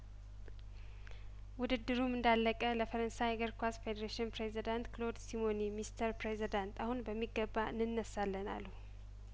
ውድድሩም እንዳለቀ ለፈረንሳይ እግር ኳስ ፌዴሬሽን ፕሬዝዳንት ክሎድ ሲሞኔ ሚስተር ፕሬዝዳንት አሁን በሚገባ እንነሳለን አሉ